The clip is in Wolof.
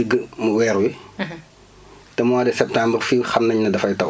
parce que tay presque ñu ngi si digg weer wi